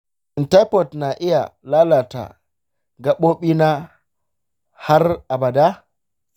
shin taifoid na iya lalata gabobina har abada?